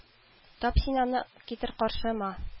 Тап син аны китер каршы ма